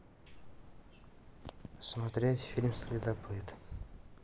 смотреть фильм следопыт